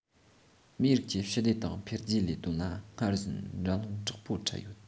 མིའི རིགས ཀྱི ཞི བདེ དང འཕེལ རྒྱས ལས དོན ལ སྔར བཞིན འགྲན སློང དྲག པོ འཕྲད ཡོད